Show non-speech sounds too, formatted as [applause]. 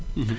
[hesitation] [hesitation]